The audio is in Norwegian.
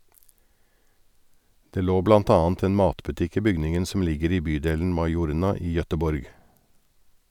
Det lå blant annet en matbutikk i bygningen, som ligger i bydelen Majorna i Göteborg.